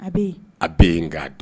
A bɛ yen , abɛ yen nka